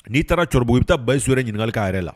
N'i taara cogo i bɛ taa baso ɲininkali ka yɛrɛ la